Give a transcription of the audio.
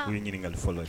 Ko ɲininkakali fɔlɔ ye